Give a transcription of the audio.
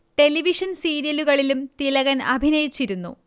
television സീരിയലുകളിലും തിലകൻ അഭിനയിച്ചിരുന്നു